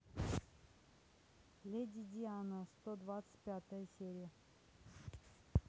леди диана сто двадцать пятая серия